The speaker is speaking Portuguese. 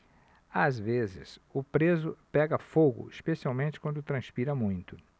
às vezes o preso pega fogo especialmente quando transpira muito